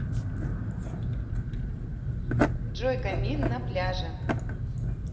джой камин на пляже